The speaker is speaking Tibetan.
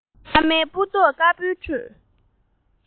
ཨ མའི སྤུ མདོག དཀར པོའི ཁྲོད